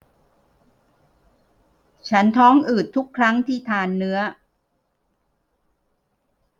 ฉันท้องอืดทุกครั้งที่ทานเนื้อ